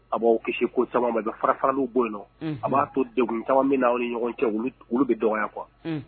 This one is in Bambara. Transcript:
A b'aw kisi ko caaman a bɛ fara faraliw bɔ yen ,a b'a to degun caaman bɛna aw ni ɲɔgɔn cɛ olu bɛ dɔgɔya quoi